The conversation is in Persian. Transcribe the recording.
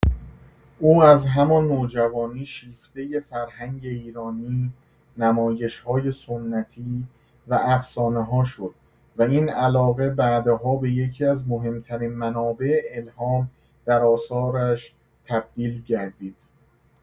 او از همان نوجوانی شیفته فرهنگ ایرانی، نمایش‌های سنتی و افسانه‌ها شد و این علاقه بعدها به یکی‌از مهم‌ترین منابع الهام در آثارش تبدیل گردید.